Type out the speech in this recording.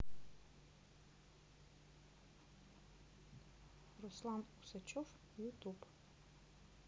руслан усачев ютуб